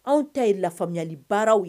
Anw ta ye lafaamuyali baaraw ye